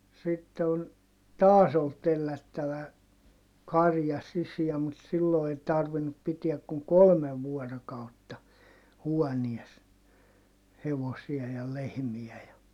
sitten on taas oli tellättävä karja sisään mutta silloin ei tarvinnut pitää kuin kolme vuorokautta huoneessa hevosia ja lehmiä ja